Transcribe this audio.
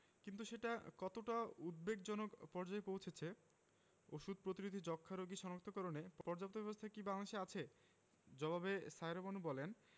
কিন্তু সেটি কতটা উদ্বেগজনক পর্যায়ে পৌঁছেছে ওষুধ প্রতিরোধী যক্ষ্মা রোগী শনাক্তকরণে পর্যাপ্ত ব্যবস্থা কি বাংলাদেশে আছে জবাবে সায়েরা বানু বলেন